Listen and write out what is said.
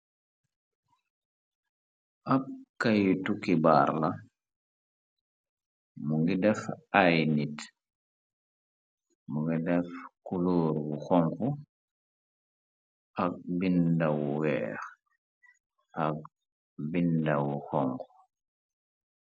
Ab kaytu xibaar la, mu ngi daf ay nit, mu ngi daf kuloor bu xonxu, ak bindawu weex ak bindawu xonxu.